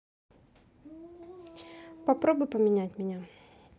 попробуй поменять меня